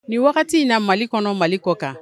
Nin wagati in na mali kɔnɔ mali kɔ kan